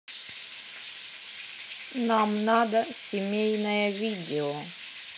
нам надо семейное видео